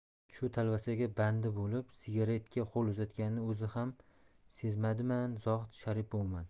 shu talvasaga bandi bo'lib sigaretga qo'l uzatganini o'zi ham sezmadimen zohid sharipovman